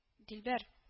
Дилбәр